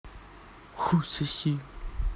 хуй соси